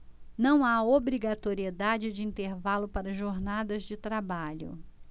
não há obrigatoriedade de intervalo para jornadas de trabalho